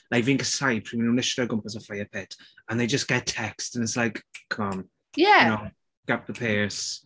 Like fi'n casau pryd mae nhw'n ishte o gwmpas y fire pit and they just get a text and it's like "Come on" you know?... ie! ...pick up the pace.